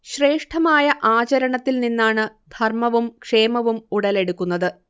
ശ്രേഷ്ഠമായ ആചരണത്തിൽ നിന്നാണ് ധർമ്മവും ക്ഷേമവും ഉടലെടുക്കുന്നത്